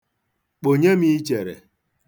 Kponye m ichere.